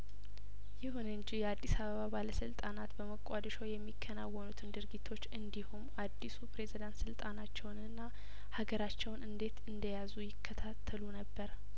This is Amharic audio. ይሁን እንጂ የአዲስ አበባ ባለስልጣናት በሞቃዲሾ የሚከናወኑትን ድርጊቶች እንዲሁም አዲሱ ፕሬዝዳንት ስልጣናቸውንና ሀገራቸውን እንዴት እንደያዙ ይከታተሉ ነበር